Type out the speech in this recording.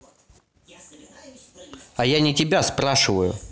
а я не тебя спрашиваю